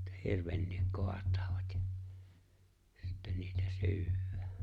että hirvenkin kaatavat ja sitten niitä syödään